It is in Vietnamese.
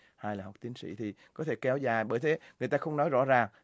hai là học tiến sĩ thì có thể kéo dài bởi thế người ta không nói rõ ràng